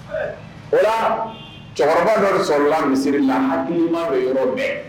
O cɛkɔrɔba dɔ sɔrɔla la misiri la hadu yɔrɔ dɛ